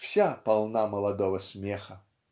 вся полна молодого смеха.